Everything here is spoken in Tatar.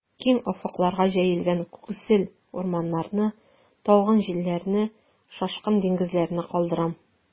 Киң офыкларга җәелгән күксел урманнарны, талгын җилләрне, шашкын диңгезләрне калдырам.